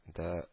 Дә